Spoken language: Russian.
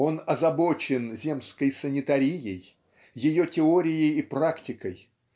он озабочен земской санитарией ее теорией и практикой